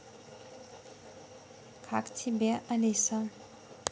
как тебе алиса